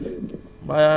sëñ Barra ziyaar nañ la